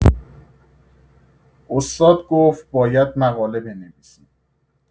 استاد گفت باید مقاله بنویسیم